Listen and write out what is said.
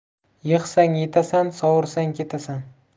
yig'sang yetasan sovursang ketasan